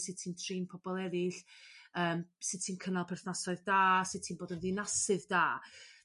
sut ti'n trin pobl eryll yym sut ti'n cynnal perthnasoedd da sut ti'n bod yn ddinasydd da .